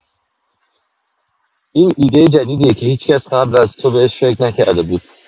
این ایده جدیدیه که هیچ‌کس قبل از تو بهش فکر نکرده بود.